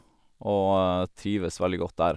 Og trives veldig godt der.